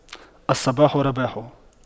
الصباح رباح